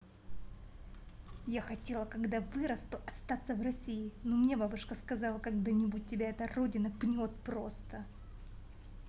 я хотела когда вырасту остаться в россии но мне бабушка сказала когда нибудь тебя это родина пнет просто